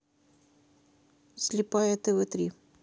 слепая тв три